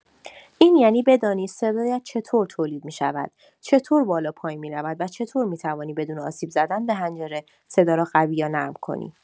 این یعنی بدانی صدایت چطور تولید می‌شود، چطور بالا و پایین می‌رود و چطور می‌توانی بدون آسیب زدن به حنجره، صدا را قوی یا نرم کنی.